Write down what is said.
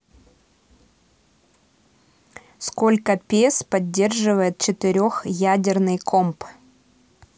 сколько пес поддерживает четырех ядерный комп